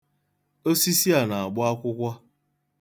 Osisi a na-agbụ akwụkwọ.